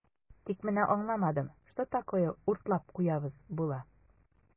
Тик менә аңламадым, что такое "уртлап куябыз" була?